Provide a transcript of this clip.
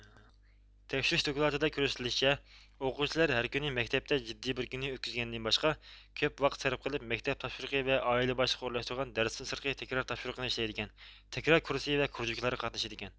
تەكشۈرۈش دوكلاتىدا كۆرسىتىلىشىچە ئوقۇغۇچىلار ھەر كۈنى مەكتەپتە جىددىي بىر كۈننى ئۆتكۈزگەندىن باشقا كۆپ ۋاقىت سەرپ قىلىپ مەكتەپ تاپشۇرۇقى ۋە ئائىلە باشلىقى ئورۇنلاشتۇرغان دەرستىن سىرتقى تەكرار تاپشۇرۇقىنى ئىشلەيدىكەن تەكرار كۇرسى ۋە كۇرژىكلارغا قاتنىشىدىكەن